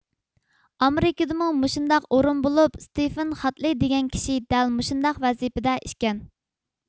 ئامېرىكىدىمۇ مۇشۇنداق ئورۇن بولۇپ ستېفېن خادلېي دېگەن كىشى دەل مۇشۇنداق ۋەزىپىدە ئىكەن